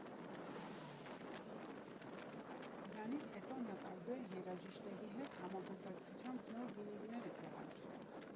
Դրանից հետո նա տարբեր երաժիշտների հետ համագործակցությամբ նոր վինիլներ է թողարկել։